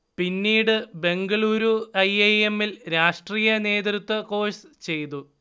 പിന്നീട് Bengaluru I. I. എമ്മിൽ രാഷ്ട്രീയ നേതൃത്വ കോഴ്സ് ചെയ്തു